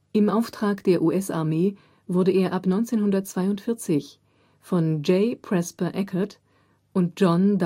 Im Auftrag der US-Armee wurde er ab 1942 von J. Presper Eckert und John